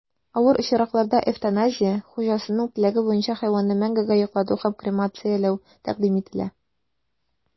Авыр очракларда эвтаназия (хуҗасының теләге буенча хайванны мәңгегә йоклату һәм кремацияләү) тәкъдим ителә.